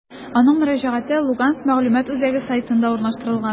Аның мөрәҗәгате «Луганск мәгълүмат үзәге» сайтында урнаштырылган.